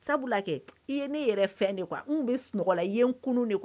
Sabula kɛ i ne yɛrɛ fɛn de kuwa n bɛ sunɔgɔla yen kunun de